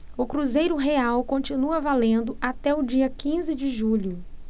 o cruzeiro real continua valendo até o dia quinze de julho